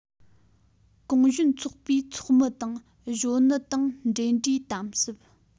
གུང གཞོན ཚོགས པའི ཚོགས མི དང གཞོན ནུ དང འབྲེལ འདྲིས དམ ཟབ